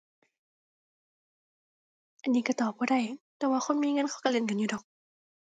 อันนี้ก็ตอบบ่ได้ แต่ว่าคนมีเงินเขาก็เล่นกันอยู่ดอก